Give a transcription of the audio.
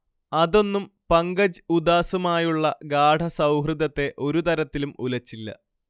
അതൊന്നും പങ്കജ് ഉദാസുമായുള്ള ഗാഢ സൗഹൃദത്തെ ഒരു തരത്തിലും ഉലച്ചില്ല